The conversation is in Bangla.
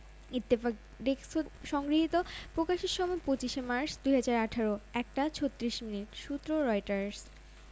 মাথায় একটা হেলমেট পরেই মস্তিষ্কের ইমেজিং নিখুঁতভাবে করা যাবে আর এই প্রক্রিয়া চলার সময় রোগীকে রোবটের মতো নিশ্চল শুয়ে কিংবা বসে থাকতে হবে না তিনি ইচ্ছা করলে হাটাচলা করতে পারবেন খাওয়া দাওয়া করতে পারবেন এমনকি টেবিল টেনিসও খেলতে পারবেন